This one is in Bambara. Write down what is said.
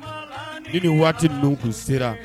I ni waati don tun sera